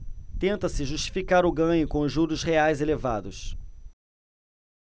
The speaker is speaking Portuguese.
tenta-se justificar o ganho com os juros reais elevados